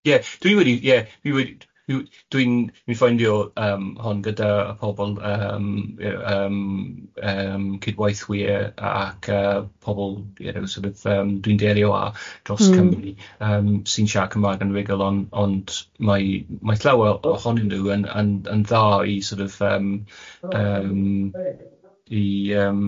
Ie dwi wedi, ie dwi wedi dwi'n dwi'n ffaindio yym hon gyda y pobl yym yy yym yym cydwaithwyr ac yy pobl you know sort of yym, dwi'n delio â.... Mm ar dros Cymru yym sy'n siarad Cymraeg yn rhugyl ond ond mae mae llawer ohonyn nhw yn yn yn dda i sort of yym yym i yym